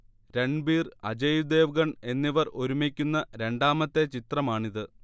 രൺബീർ അജയ് ദേവ്ഗൺ എന്നിവർ ഒരുമിക്കുന്ന രണ്ടാമത്തെ ചിത്രമാണിത്